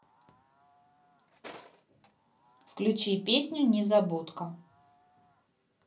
включи песню незабудка